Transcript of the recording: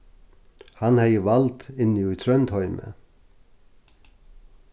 hann hevði vald inni í tróndheimi